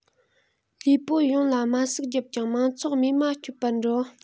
ལུས པོ ཡོངས ལ རྨ ཟུག བརྒྱབ ཀྱང མང ཚོགས རྨས མ སྐྱོབ པར འགྲོ